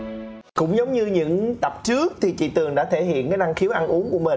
cũng giống như những tập trước thì chị tường đã thể hiện cái năng khiếu ăn uống của mình